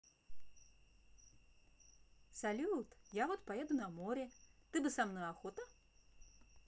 салют я вот поеду на море ты бы со мной охота